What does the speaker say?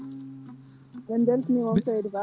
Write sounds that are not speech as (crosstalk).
min beltinima on seydi Ba (hesitation)